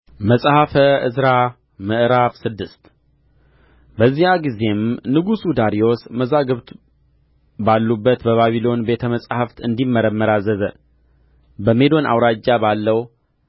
መጽሐፈ ዕዝራ ምዕራፍ ስድስት በዚያ ጊዜም ንጉሡ ዳርዮስ መዛግብት ባሉበት በባቢሎን ቤተ መጻሕፍት እንዲመረመር አዘዘ በሜዶን አውራጃ ባለው